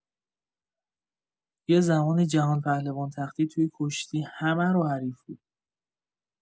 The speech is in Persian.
یه زمانی جهان‌پهلوان تختی توی کشتی همه رو حریف بود.